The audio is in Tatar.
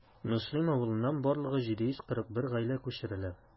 Мөслим авылыннан барлыгы 741 гаилә күчерелә.